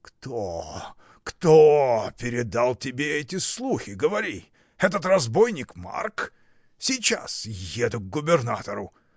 — Кто, кто передал тебе эти слухи, говори! Этот разбойник Марк? Сейчас еду к губернатору.